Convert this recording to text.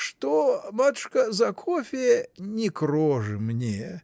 Что, матушка, за кофе: не к роже мне!